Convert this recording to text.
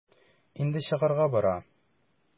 Инде чыгарга бара.